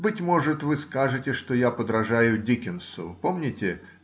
Быть может, вы скажете, что я подражаю Диккенсу помните